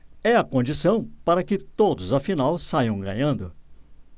é a condição para que todos afinal saiam ganhando